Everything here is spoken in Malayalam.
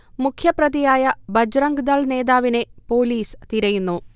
മുഖ്യപ്രതിയായ ബജ്റങ്ദൾ നേതാവിനെ പോലീസ് തിരയുന്നു